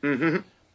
M-hm.